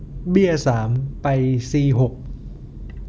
เบี้ยสามไปซีหก